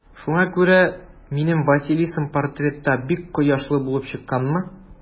Шуңа күрә минем Василисам портретта бик кояшлы булып чыкканмы?